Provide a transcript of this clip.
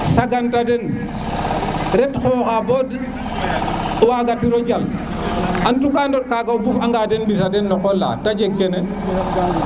sagan ta de ret xoxa bo waga ti ro dial en tout qu' à ndot naga u buf a nga denmbisa den no qola te jeg kene